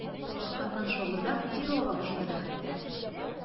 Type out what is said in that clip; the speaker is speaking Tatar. Аркамнан шабырдап тир ага башлады хәтта.